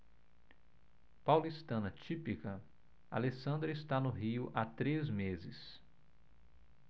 paulistana típica alessandra está no rio há três meses